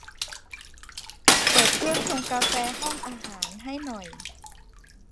เปิดเครื่องชงกาแฟห้องอาหารให้หน่อย